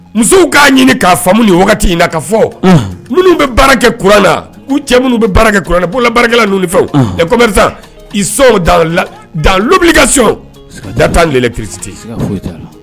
Musow k'a ɲini k'a faamumu wagati in na ka fɔ ninnu bɛ baara kɛ kuranna cɛ minnu bɛ baara kɛ kuran bolola baarala ninnu fɛ i sɔn dalubili ka so ka da tan lelɛ pirisite